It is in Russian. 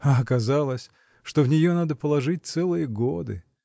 А оказалось, что в нее надо положить целые годы.